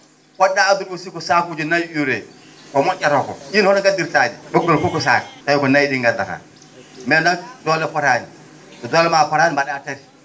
po??a addude aussi ko saakuuji nayi UREE ko mo??ata ko ?in hono ngaddirtaa ?i ?um ?oon fof ko sac oya ko nayi ?i ngaddataa mais nak dole potaani so doole maa potaani mba?aa kadi